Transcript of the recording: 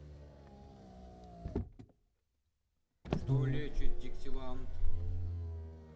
что лечит дексилант